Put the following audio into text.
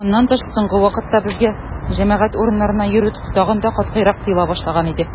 Моннан тыш, соңгы вакытта безгә җәмәгать урыннарына йөрү тагын да катгыйрак тыела башлаган иде.